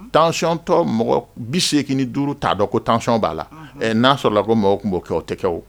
Tentions tɔ mɔgɔ 85 ta dɔn ko tentions ba la . Ɛɛ na sɔrɔla ko mɔgɔw kunn bo kɛ o tɛ kɛ wo.